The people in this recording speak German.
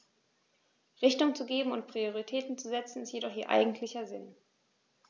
Richtung zu geben und Prioritäten zu setzen, ist jedoch ihr eigentlicher Sinn.